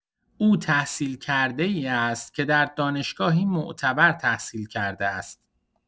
او تحصیل‌کرده‌ای است که در دانشگاهی معتبر تحصیل کرده است.